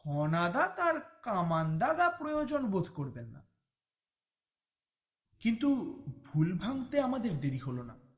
ঘনাদা তার কামান দাগা প্রয়োজন বোধ করবেন না কিন্তু ভুল ভাঙতে আমাদের দেরি হলো না